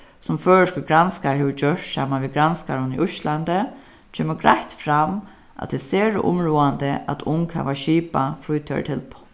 sum føroyskur granskari hevur gjørt saman við granskarum í íslandi kemur greitt fram at tað er sera umráðandi at ung hava skipað frítíðartilboð